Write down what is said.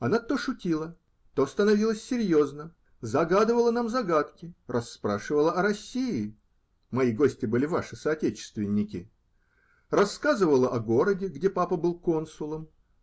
Она то шутила, то становилась серьезна, загадывала нам загадки, расспрашивала о России (мои гости были ваши соотечественники), рассказывала о городе, где папа был консулом.